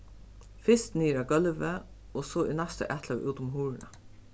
fyrst niður á gólvið og so í næstu atløgu út um hurðina